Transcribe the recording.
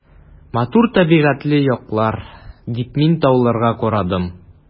Матур табигатьле яклар, — дип мин дә тауларга карадым.